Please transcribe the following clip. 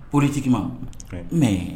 Pɔritigi ma mɛ